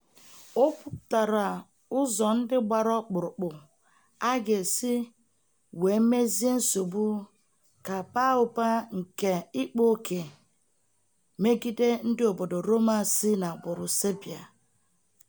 O kwupụtaghị ụzọ ndị gbara ọkpụrụkpụ a ga-esi wee mezie nsogbu ka baa ụba nke ịkpa oke megide ndị obodo Roma si n'agbụru Serbia.